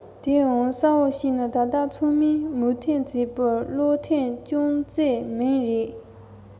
གནད དོན གང ཞིག ཡིན རུང ཕན ཚུན སྡུར དགོས པ དང